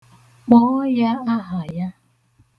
Kpọọ ya aha ya.